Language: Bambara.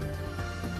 San